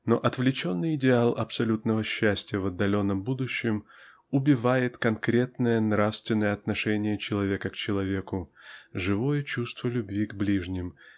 но отвлеченный идеал абсолютного счастья в отдаленном будущем убивает конкретное нравственное отношение человека к человеку живое чувство любви к ближним